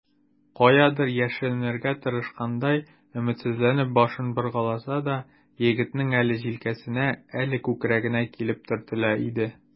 Каядыр яшеренергә тырышкандай, өметсезләнеп башын боргаласа да, егетнең әле җилкәсенә, әле күкрәгенә килеп төртелә иде.